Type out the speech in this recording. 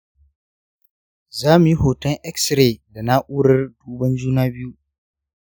za mu yi hoton x-ray da na’urar duban juna biyu.